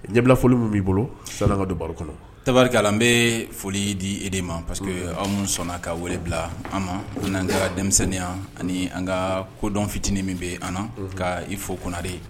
Ɲɛbilafoli mun b'i bolo sanni an ka don baro kɔnɔ, tabarikala n bɛ foli di e de ma, parce que aw minnu sɔnna ka wele bila an ma, an n'a ka denmisɛnninya ani an ka kodɔn fitinin min bɛ an na, ka i fɔ Konare.